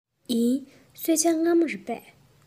ཡིན གསོལ ཇ མངར མོ རེད པས